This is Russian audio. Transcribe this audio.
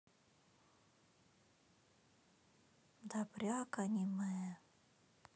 добряк аниме